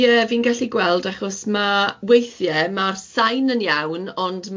Ie, fi'n gyllu gweld achos ma' weithie' ma'r sain yn iawn, ond